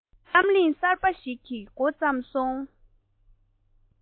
ཅེས གཏམ གླེང གསར པ ཞིག གི མགོ བརྩམས སོང